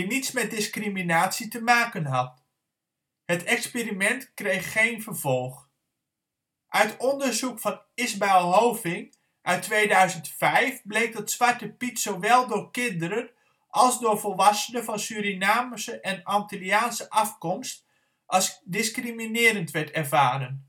niets met discriminatie te maken had. Het experiment kreeg geen vervolg. Uit onderzoek van Isbael Hoving uit 2005 bleek dat Zwarte Piet zowel door kinderen als door volwassenen van Surinaamse en Antilliaanse afkomst als discriminerend werd ervaren